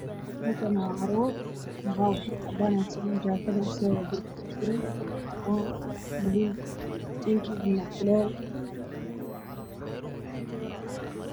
Meeshaan waa carwo waxaa ii muuqda suudaan darbiga saran oo buluug iyo midowga ka kooban